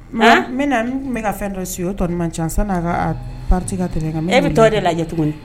Man nbɛna na ntun bɛ ka fɛn dɔ suwi o tɔɔnin man ca tuguni san n'a pariti ka tɛmɛ nka nbɛ na. E bɛ t'o de lajɛ tuguni.